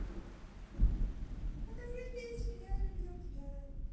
покажи песню я любил тебя